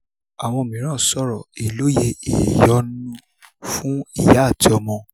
Awọn miiran sọrọ: Iloye iyọnu fun iya ati ọmọ.